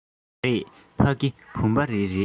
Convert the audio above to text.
མ རེད ཕ གི བུམ པ རི རེད